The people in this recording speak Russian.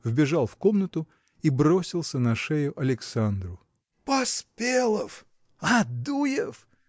вбежал в комнату и бросился на шею Александру. – Поспелов!. – Адуев!.